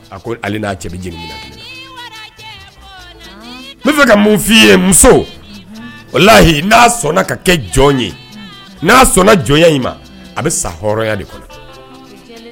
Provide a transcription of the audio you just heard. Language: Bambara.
A ko hali n'a cɛ na n fɛ ka mun f' i ye muso o lahi n'a sɔnna ka kɛ jɔn ye n'a sɔnna jɔnya in ma a bɛ sa hɔrɔnya de kɔnɔ